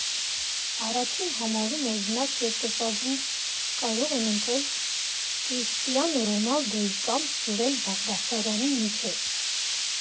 Առաջին համարում, օրինակ, երկրպագուները կարող էին ընտրել Կրիշտիանու Ռոնալդուի կամ Սուրեն Բաղդասարյանի միջև։